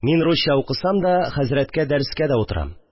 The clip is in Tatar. Мин, русча укысам да, хәзрәткә дәрескә дә утырам